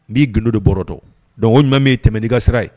N b'i glo de bɔratɔ dɔn ɲumanmɛ ye tɛmɛ nikasira ye